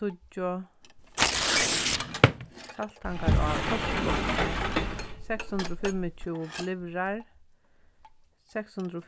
tíggju saltangará postboksir seks hundrað og fimmogtjúgu glyvrar seks hundrað og